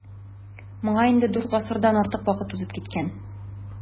Моңа инде дүрт гасырдан артык вакыт узып киткән.